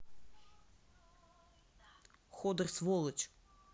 ходор сволоч